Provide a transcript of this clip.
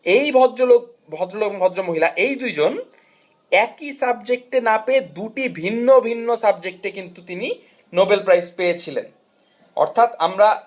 এই ভদ্রলোক ভদ্র ভদ্রমহিলা এই দুইজন একই সাবজেক্টে না পেয়ে দুটি ভিন্ন ভিন্ন সাবজেক্টে কিন্তু তিনি নোবেল প্রাইজ পেয়েছিলেন অর্থাৎ আমরা